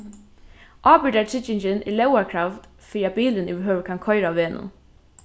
ábyrgdartryggingin er lógarkravd fyri at bilurin yvirhøvur kann koyra á vegnum